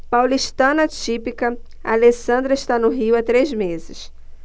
paulistana típica alessandra está no rio há três meses